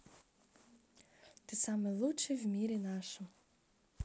ты самый лучший в мире нашем